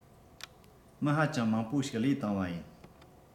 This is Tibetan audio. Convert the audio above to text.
མི ཧ ཅང མང པོ ཞིག བློས བཏང བ ཡིན